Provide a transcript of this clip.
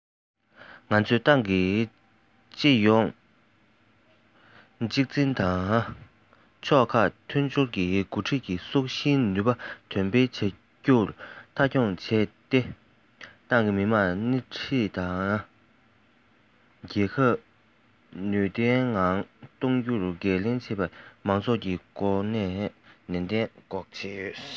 ང ཚོས ཏང གི སྤྱི ཡོངས གཅིག འཛིན དང ཕྱོགས ཁག མཐུན སྦྱོར གྱི འགོ ཁྲིད ཀྱི སྲོག ཤིང ནུས པ འདོན སྤེལ བྱ རྒྱུ མཐའ འཁྱོངས བྱས ཏེ ཏང གིས མི དམངས སྣེ ཁྲིད དེ རྒྱལ ཁབ ནུས ལྡན ངང སྐྱོང རྒྱུའི འགན ལེན བྱས ནས མང ཚོགས འགོ འཁྲིད མཁན མེད པ དང སྲན ཕུང ཐོར བ ལྟ བུའི སྣང ཚུལ ཐོན རྒྱུ གཏན འགོག བྱེད དགོས